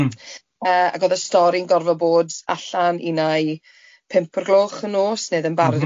...yy ag odd y stori'n gorfod bod allan unai pump o'r gloch y nos ne' o'dd e'n barod... M-hm.